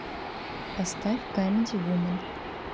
поставь камеди вумен